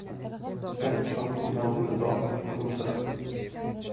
yo'q ishonmayman dedi zohid kulimsirab